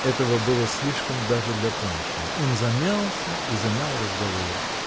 Этого было слишком даже для Паншина: он замялся -- и замял разговор.